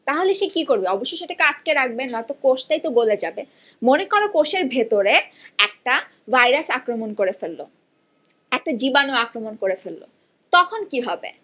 তাহলে সে কি করবে অবশ্যই সেটাকে আটকে রাখবে নাতো কোষ টাইতো গলে যাবে মনে করো কোষের ভেতরে একটা ভাইরাস আক্রমণ করে ফেলল একটা জীবাণু আক্রমণ করে ফেলল তখন কি হবে